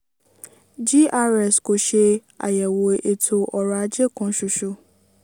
GRZ kò ṣe àyẹ̀wò ètò ọrọ̀-ajé kan ṣoṣo.